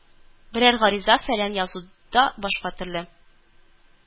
Берәр гариза фәлән язу да, башка төрле